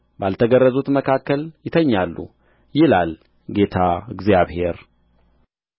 ባልተገረዙት መካከል ይተኛሉ ይላል ጌታ እግዚአብሔር